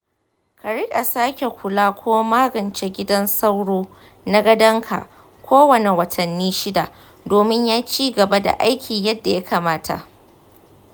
ka riƙa sake kula ko magance gidan sauro na gadonka kowane watanni shida domin ya ci gaba da aiki yadda ya kamata.